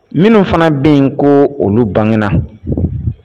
Minnu fana bɛ yen k'olu bangenna